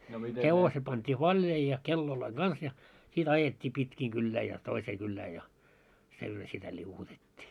hevonen pantiin valjaisiin ja kellojen kanssa ja sitten ajettiin pitkin kylää ja toiseen kylään ja silloin sitä liu'utettiin